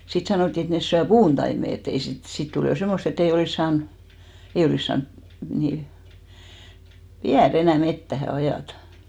sitten sanottiin että ne syö puuntaimet että ei sitten sitten tuli jo semmoista että ei olisi saanut ei olisi saanut niin viedä enää metsään ajaa